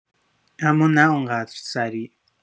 اما نه آنقدر سریع